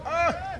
Ɛɛ